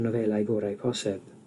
nofelau gorau posib.